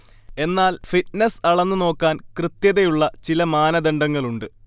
എന്നാൽ ഫിറ്റ്നെസ് അളന്നുനോക്കാൻ കൃത്യതയുള്ള ചില മാനദണ്ഡങ്ങളുണ്ട്